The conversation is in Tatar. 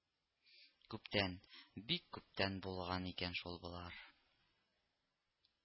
Күптән, бик күптән булган икән шул болар